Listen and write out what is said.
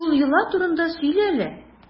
Шул йола турында сөйлә әле.